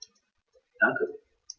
Danke.